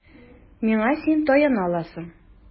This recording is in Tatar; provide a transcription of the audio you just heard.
Миңа син таяна аласың.